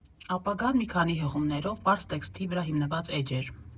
Ապագան մի քանի հղումներով, պարզ տեքստի վրա հիմնված էջ էր։